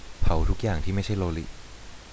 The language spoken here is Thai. เผาทุกอย่างที่ไม่ใช่โลลิ